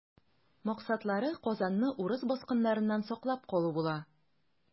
Максатлары Казанны урыс баскыннарыннан саклап калу була.